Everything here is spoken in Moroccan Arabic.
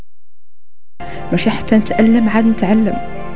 ايش احسن تعلم عن تعلم